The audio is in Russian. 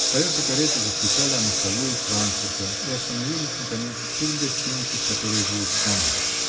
Колеса кареты застучали о мостовую Франкфурта -- и остановились наконец перед гостиницей, в которой жил Санин.